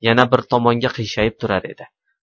yana bir tomonga qiyshayib turar edi